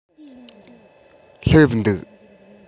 སླེབས འདུག